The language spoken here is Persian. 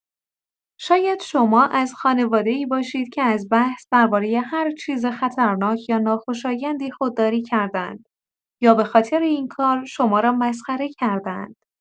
شاید شما از خانواده‌ای باشید که از بحث درباره هر چیز دردناک یا ناخوشایندی خودداری کرده‌اند یا به‌خاطر این کار شما را مسخره کرده‌اند.